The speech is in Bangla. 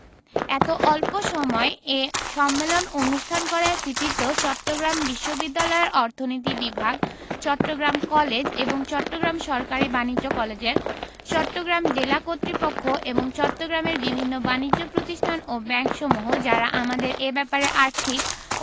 এত অল্প এ সম্মেলন অনুষ্ঠান করার কৃতিত্ব চট্টগ্রাম বিশ্ববিদ্যালয়ের অর্থনীতি বিভাগ চট্টগ্রাম কলেজ এবং চট্টগ্রাম সরকারি বাণিজ্য কলেজের চট্টগ্রাম জেলা কর্তৃপক্ষ এবং চট্টগ্রামের বিভিন্ন বানিজ্য প্রতিষ্ঠান ও ব্যাংকসমূহ যারা আমাদের এ ব্যাপারে আর্থিক